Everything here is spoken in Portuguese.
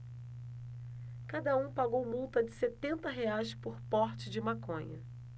cada um pagou multa de setenta reais por porte de maconha